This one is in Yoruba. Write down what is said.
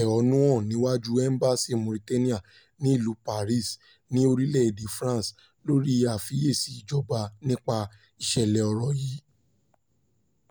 ẹ̀hónú hàn níwájú Ẹ́mbásì Mauritania ní ìlú Paris, ní orílẹ̀-èdè France, lórí àìfiyèsí ìjọba nípa ìṣẹ̀lẹ̀ oró yìí.